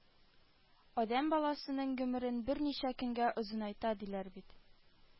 Адәм баласының гомерен берничә көнгә озынайта, диләр бит»